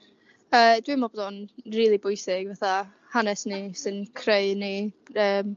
Yy dwi'n me'l bod o'n rili bwysig fatha' hanes ni sy'n creu ni yy